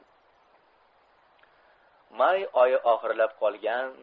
may oyi oxirlab qolgan